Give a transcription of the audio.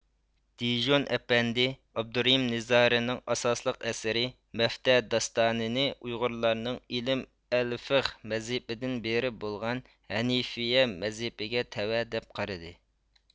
دىژون ئەپەندى ئابدۇرېھىم نىزارىنىڭ ئاساسلىق ئەسىرى مەفتە داستانى نى ئۇيغۇرلارنىڭ ئىلىم ئەلفىخ مەزھىپىدىن بىرى بولغان ھەنىفىيە مەزھىپىگە تەۋە دەپ قارىدى